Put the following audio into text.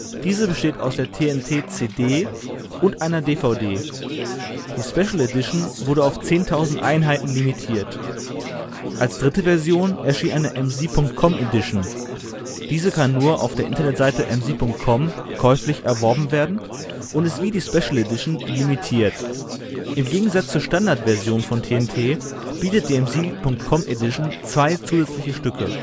Diese besteht aus der TNT-CD und einer DVD. Die Special Edition wurde auf 10.000 Einheiten limitiert. Als dritte Version erschien eine MZEE.com Edition. Diese kann nur auf der Internetseite MZEE.com käuflich erworben werden und ist wie die Special Edition limitiert. Im Gegensatz zur Standard-Version von TNT, bietet die MZEE.com Edition zwei zusätzliche Stücke